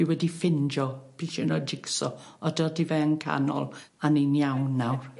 Fi wedi ffindio pishyn o jigso a dydi fe yn canol a ni'n iawn nawr.